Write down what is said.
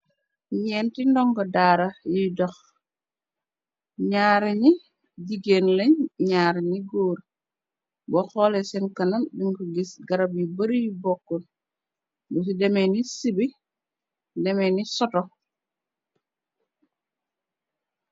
Nyeenti ndongo daara yuy dox. ñyaar nyi jigéen leeñ ñyaar ni góor, bu xoole seen kana dingo gis garab yu bari. yu bokkul bu ci deme ni sibi deme ni soto.